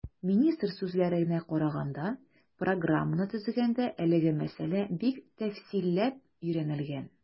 Министр сүзләренә караганда, программаны төзегәндә әлеге мәсьәлә бик тәфсилләп өйрәнелгән.